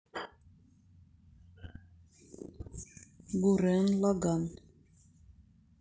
гурен лаган